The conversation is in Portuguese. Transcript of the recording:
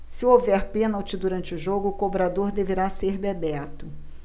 se houver pênalti durante o jogo o cobrador deverá ser bebeto